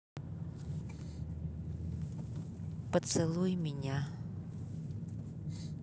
поцелуй меня